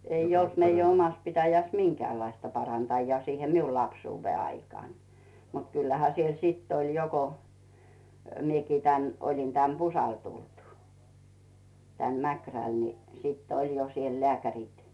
ei ollut meidän omassa pitäjässä minkäänlaista parantajaa siihen minulla lapsuuden aikaan mutta kyllähän siellä sitten oli jo kun minäkin tänne olin tänne Pusalle tullut tänne Mäkrälle niin sitten oli jo siellä lääkärit